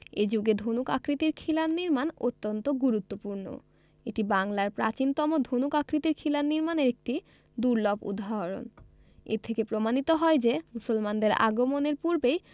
এ যুগে ধনুক আকৃতির খিলান নির্মাণ অত্যন্ত গুরুত্বপূর্ণ এটি বাংলার প্রাচীনতম ধনুক আকৃতির খিলান নির্মাণের একটি দুর্লভ উদাহরণ এ থেকে প্রমাণিত হয় যে মুসলমানদের আগমনের পূর্বেই